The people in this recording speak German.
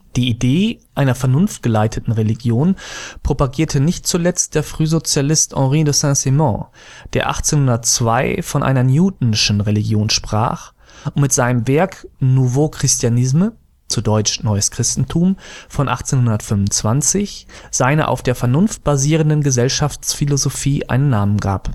Die Idee einer vernunftgeleiteten Religion propagierte nicht zuletzt der Frühsozialist Henri de Saint-Simon, der 1802 von einer newtonschen Religion sprach (für rationalistische Weltsichten dieser Zeit spielte Isaac Newton mit seinen grundlegenden Einsichten in Gravitation, Licht und Strom stets eine besondere Rolle als Symbolfigur) und mit seinem Werk Nouveau Christianisme (dt. Neues Christentum) von 1825 seiner auf der Vernunft basierenden Gesellschaftsphilosophie einen Namen gab